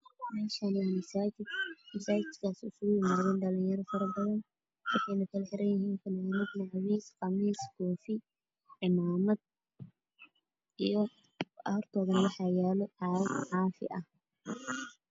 Waa masaajid misaajidkaas waxaa is kugu imaaday dhalin yaro badan waxa ay xiran yihiin qamiis koofi cimaamad